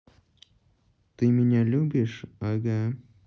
ты меня любишь ага